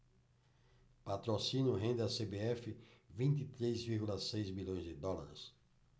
patrocínio rende à cbf vinte e três vírgula seis milhões de dólares